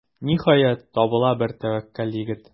Ниһаять, табыла бер тәвәккәл егет.